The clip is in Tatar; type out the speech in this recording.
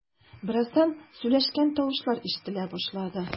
Бераздан сөйләшкән тавышлар ишетелә башлады.